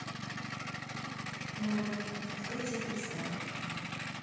марвел открытие кристалла